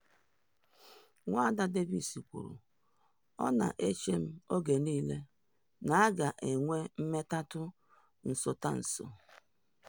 Nwada Davis kwuru: “Ọ na eche m oge niile na a ga-enwe mmetụta nsotanso.”